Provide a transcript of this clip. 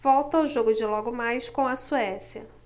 volto ao jogo de logo mais com a suécia